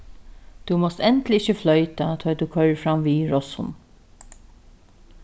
tú mást endiliga ikki floyta tá tú koyrir fram við rossum